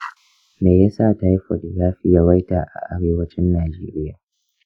me yasa typhoid ya fi yawaita a arewacin najeriya?